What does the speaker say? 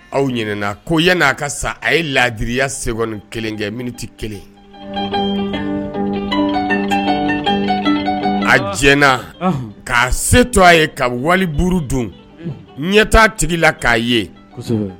Aw ɲin ko yan n'a ka sa a ye laadiriya sɛbɛngi kelen kɛ miniti kelen a tina k'a se to a ye ka wali buru don ɲɛ t' tigi la k'a ye